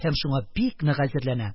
Һәм шуңа бик нык хәзерләнә.